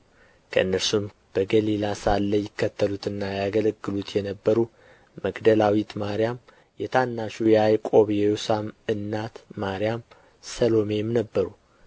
ከእነርሱም በገሊላ ሳለ ይከተሉትና ያገለግሉት የነበሩ መግደላዊት ማርያም የታናሹ ያዕቆብና የዮሳም እናት ማርያም ሰሎሜም ነበሩ